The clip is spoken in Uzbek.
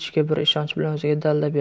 ichki bir ishonch bilan o'ziga dalda berdi